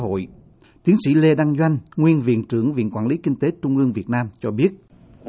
hội tiến sĩ lê đăng doanh nguyên viện trưởng viện quản lý kinh tế trung ương việt nam cho biết